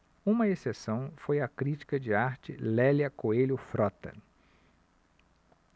uma exceção foi a crítica de arte lélia coelho frota